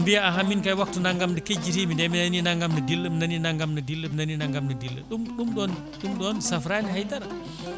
mbiya ahan min kay waftu naggam nde kijjitimi de mi nani naggam ne dilla mi nani naggam ne dilla mi nani naggam ne dilla ɗum ɗum ɗon ɗum ɗon safrani haydara